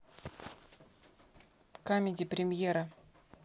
камеди премьера